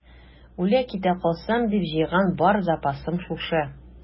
Үлә-китә калсам дип җыйган бар запасым шушы.